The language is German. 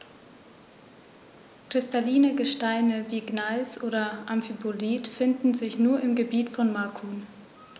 Kristalline Gesteine wie Gneis oder Amphibolit finden sich nur im Gebiet von Macun.